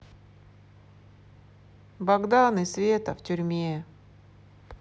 богдан и света в тюрьме